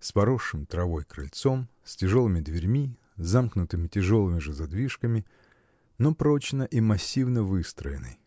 с поросшим травой крыльцом, с тяжелыми дверьми, замкнутыми тяжелыми же задвижками, но прочно и массивно выстроенный.